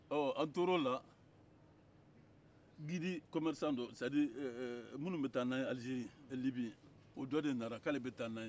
an tor'o la sirajirala feerekɛla dɔ minnu bɛ taa n'an ye libi o dɔ de nana k'ale bɛ taa n'an ye